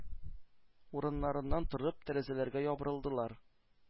Урыннарыннан торып, тәрәзәләргә ябырылдылар.